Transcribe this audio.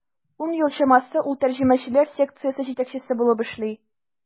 Ун ел чамасы ул тәрҗемәчеләр секциясе җитәкчесе булып эшли.